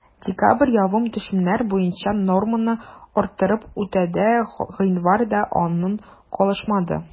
Декабрь явым-төшемнәр буенча норманы арттырып үтәде, гыйнвар да аннан калышмады.